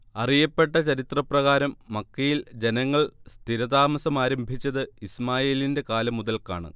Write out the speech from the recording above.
അറിയപ്പെട്ട ചരിത്രപ്രകാരം മക്കയിൽ ജനങ്ങൾ സ്ഥിരതാമസമാരംഭിച്ചത് ഇസ്മാഈലിന്റെ കാലം മുതൽക്കാണ്